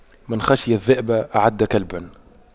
من خشى الذئب أعد كلبا